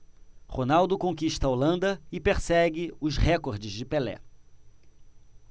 ronaldo conquista a holanda e persegue os recordes de pelé